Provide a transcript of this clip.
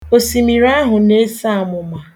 Osimiri ahụ na-ese amụma